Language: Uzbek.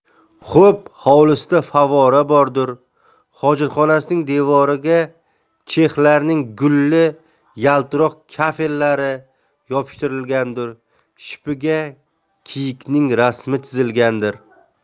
xo'p hovlisida favvora bordir hojatxonasining devorlariga chexlarning gulli yaltiroq kafellari yopishtirilgandir shipiga kiyikning rasmi chizilgandir